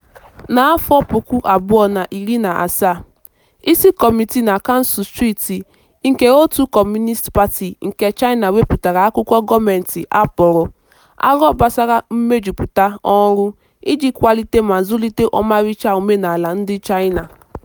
N'afọ puku abụọ na iri na asaa, isi kọmitii na kansụl steeti nke òtù Communist Party nke China wepụtara akwụkwọ gọọmentị a kpọrọ "Aro gbasara mmejuputa ọrụ iji kwalite ma zụlite ọmarịcha omenala ndị China"."